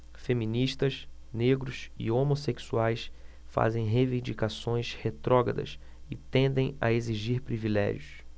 feministas negros e homossexuais fazem reivindicações retrógradas e tendem a exigir privilégios